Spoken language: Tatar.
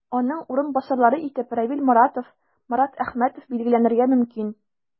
Аның урынбасарлары итеп Равил Моратов, Марат Әхмәтов билгеләнергә мөмкин.